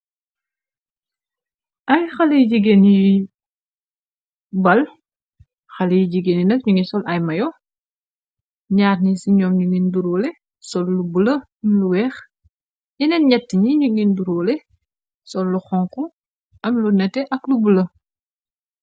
Ay xali yu jigéen yuy bal. Xale yu jigéen yi nak ñu ngi sol ay mayo. Nyaar ni ci ñoom ñu ngi nduróole sol lu bula lu weex. Yeneen ñett ñi ñu ngi nduróole sol lu xonk am lu nate ak lu bula.